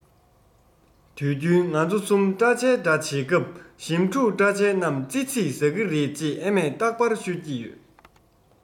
དུས རྒྱུན ང ཚོ གསུམ པྲ ཆལ འདྲ བྱེད སྐབས ཞིམ ཕྲུག པྲ ཆལ རྣམས ཙི ཙིས ཟ གི རེད ཅེས ཨ མས རྟག པར ཤོད ཀྱི ཡོད